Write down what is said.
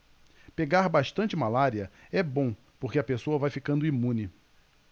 pegar bastante malária é bom porque a pessoa vai ficando imune